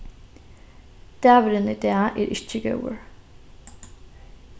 dagurin í dag er ikki góður